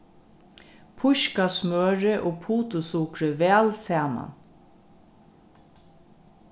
píska smørið og putursukrið væl saman